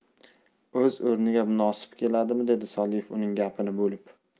o'z o'rniga munosibi keladimi dedi soliev uning gapini bo'lib